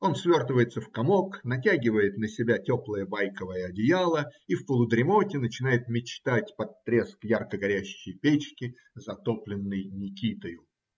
Он свертывается в комок, натягивает на себя теплое байковое одеяло и в полудремоте начинает мечтать под треск ярко горящей печки, затопленной Никитою.